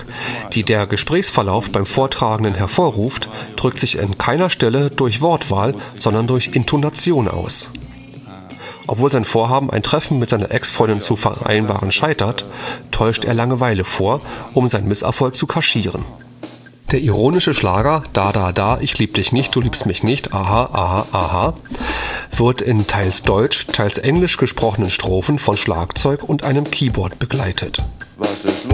keiner Stelle durch Wortwahl, sondern durch Intonation aus. Obwohl sein Vorhaben, ein Treffen mit seiner Ex-Freundin zu vereinbaren, scheitert, täuscht er Langeweile vor, um seinen Misserfolg zu kaschieren. Notenbeispiel: Die Strophen des Liedes Da Da Da bestehen nur aus Sprechgesang mit Schlagzeugbegleitung. Der ironische Schlager Da Da Da ich lieb dich nicht du liebst mich nicht aha aha aha wird in den teils deutsch, teils englisch gesprochenen Strophen von Schlagzeug und einem Keyboard begleitet. Das